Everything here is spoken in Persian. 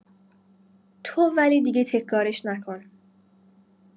تو ولی دیگه تکرارش نکن.